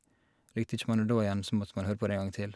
Likte ikke man det da igjen, så måtte man høre på det en gang til.